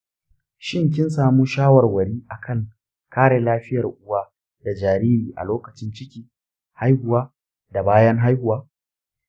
shin kinsamu shawarwari akan kare lafiyar uwa da jariri a lokacin ciki, haihuwa, da bayan haihuwa?